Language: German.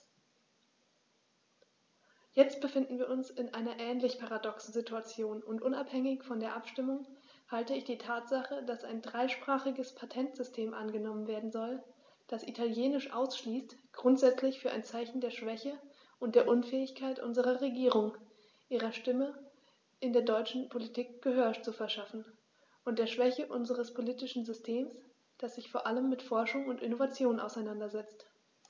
Jetzt befinden wir uns in einer ähnlich paradoxen Situation, und unabhängig von der Abstimmung halte ich die Tatsache, dass ein dreisprachiges Patentsystem angenommen werden soll, das Italienisch ausschließt, grundsätzlich für ein Zeichen der Schwäche und der Unfähigkeit unserer Regierung, ihrer Stimme in der europäischen Politik Gehör zu verschaffen, und der Schwäche unseres politischen Systems, das sich vor allem mit Forschung und Innovation auseinandersetzt.